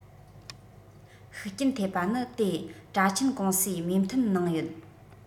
ཤུགས རྐྱེན ཐེབས པ ནི དེ དྲ ཆེན ཀུང སིའི མོས མཐུན གནང ཡོད